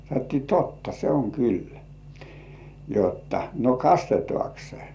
sanottiin totta se on kyllä jotta no kastetaanko se